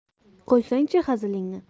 qo'ysangchi hazilingni